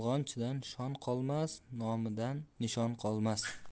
nomidan nishon qolmas